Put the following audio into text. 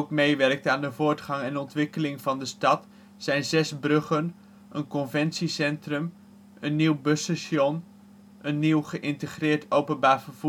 meewerkt aan de voortgang en ontwikkeling van de stad zijn zes bruggen, een conventie centrum, een nieuw busstation, een nieuw geïntegreerd openbaar